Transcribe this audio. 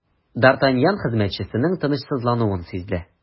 Д’Артаньян хезмәтчесенең тынычсызлануын сизде.